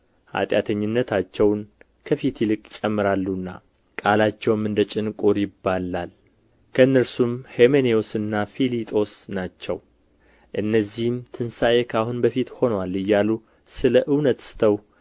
ኃጢአተኝነታቸውን ከፊት ይልቅ ይጨምራሉና ቃላቸውም እንደ ጭንቁር ይባላል ከእነርሱም ሄሜኔዎስና ፊሊጦስ ናቸው እነዚህም ትንሣኤ ከአሁን በፊት ሆኖአል እያሉ ስለ እውነት ስተው